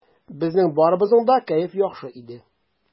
Безнең барыбызның да кәеф яхшы иде.